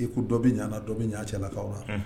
I ko dɔ bɛ ɲa na dɔ bɛ ɲa cɛlakaw la